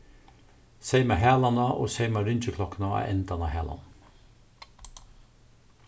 seyma halan á og seyma ringiklokkuna á endan á halanum